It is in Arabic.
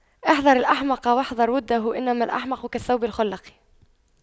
احذر الأحمق واحذر وُدَّهُ إنما الأحمق كالثوب الْخَلَق